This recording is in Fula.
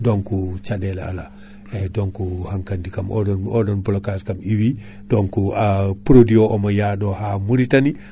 donc caɗele ala eyyi donc hankkandi kam oɗon blocage kam iwi donc produit o omo yaɗo ha Mauritanie